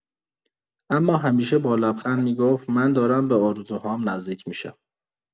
اما همیشه با لبخند می‌گفت: «من دارم به آرزوهام نزدیک می‌شم.»